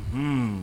Un